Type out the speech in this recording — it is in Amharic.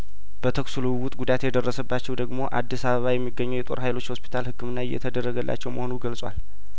በተኩስ ልውውጥ ጉዳት የደረሰባቸው ደግሞ አዲስ አበባ የሚገኘው ጦር ሀይሎች ሆስፒታል ህክምና እየተደረገላቸው መሆኑን ገልጿል